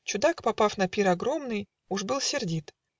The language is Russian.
Чудак, попав на пир огромный, Уж был сердит.